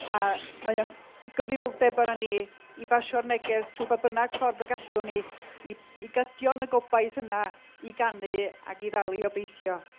a mae o'n gyfrifoldeb arnon ni i basio'r neges trwy ba bynnag ffordd y gallwn ni i i gydio yn y gobaith yna i ganu ac i ddal i obeithio.